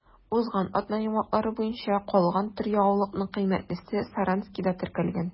Узган атна йомгаклары буенча калган төр ягулыкның кыйммәтлесе Саранскида теркәлгән.